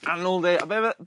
Anwl 'de a be' fy'